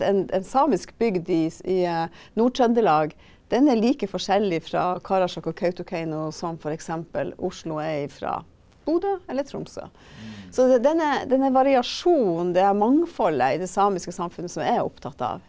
en en samisk bygd i i Nord-Trøndelag, den er like forskjellig fra Karasjok og Kautokeino som f.eks. Oslo er ifra Bodø eller Tromsø, så det er denne denne variasjonen, det her mangfoldet i det samiske samfunnet som jeg er opptatt av.